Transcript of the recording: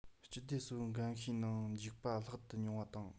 སྤྱི སྡེ ཧྲིལ བོ འགའ ཤས ནང འཇིག པ ལྷག ཏུ ཉུང བ དང